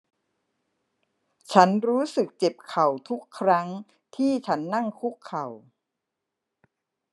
ฉันรู้สึกเจ็บเข่าทุกครั้งที่ฉันนั่งคุกเข่า